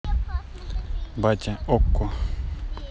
батя okko